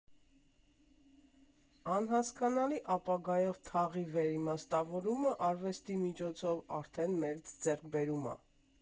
Անհասկանալի ապագայով թաղի վերիմաստավորումը արվեստի միջոցով արդեն մեծ ձեռքբերում ա»։